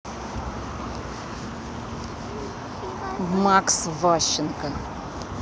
макс ващенко